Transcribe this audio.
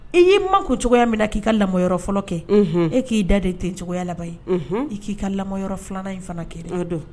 I y'i makun cogoya min na k'i ka lamɔ fɔlɔ kɛ, unhun,e k'i da ji ten , o cogoya la ye i k'i ka lamɔ yɔrɔ filanan in fana kɛ ten.